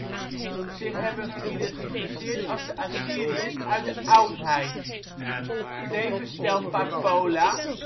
zich hebben geïdentificeerd als de Assyriërs uit de oudheid. Tevens stelt Parpola